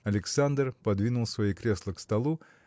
Александр подвинул свои кресла к столу